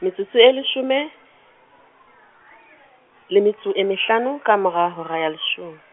metsotso e leshome, le metso e mehlano, ka mora hora ya leshome.